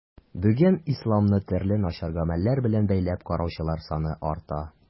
Бүген исламны төрле начар гамәлләр белән бәйләп караучылар саны арта.